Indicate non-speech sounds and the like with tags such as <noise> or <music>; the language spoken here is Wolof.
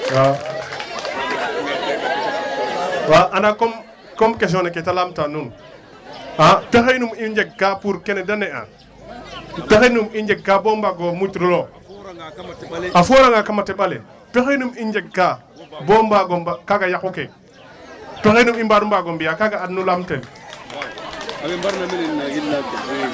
<applause> waaw <crosstalk>